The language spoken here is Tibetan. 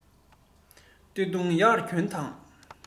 སྟོད འཐུང ཡར གྱོན དང